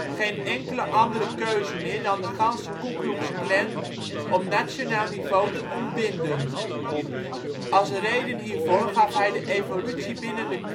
geen enkele andere keuze meer dan de ganse Ku Klux Klan op nationaal niveau te ontbinden. Als reden hiervoor gaf hij de evolutie binnen de